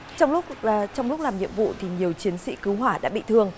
trong lúc và trong lúc làm nhiệm vụ thì nhiều chiến sĩ cứu hỏa đã bị thương